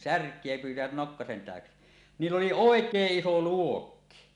särkiä pyysivät nokkasen täyksi niillä oli oikein iso luokki